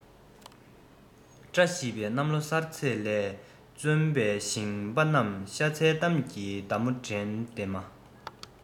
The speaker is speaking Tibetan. བཀྲ ཤིས པའི གནམ ལོ གསར ཚེས ལས ལ བརྩོན པའི ཞིང པ རྣམས ཤ ཚའི གཏམ གྱི མདའ མོ དྲང བདེན མ